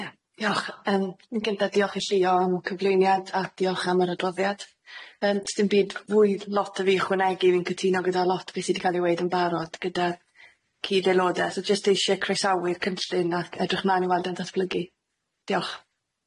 Ia diolch yym yn gynta diolch i Llio am y cyflwyniad a diolch am yr adroddiad, yym sdim byd fwy lot o fi ychwanegu fi'n cytuno gyda lot be' sy 'di ca'l i weud yn barod gyda cyd-aeloda' so jyst eisiau croesawu'r cynllun ac edrych mlan i weld o'n datblygu. Diolch. Diolch.